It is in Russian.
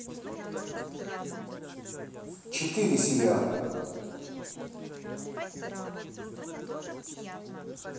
четыре сериал